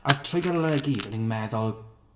A trwy gydol e gyd o'n i'n meddwl